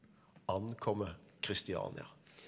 ankommer Christiania.